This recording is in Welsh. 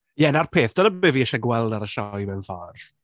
Ie, 'na'r peth, dyna be fi eisiau gweld ar y sioe mewn ffordd.